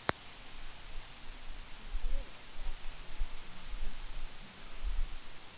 михаил лабковский поматросил и бросил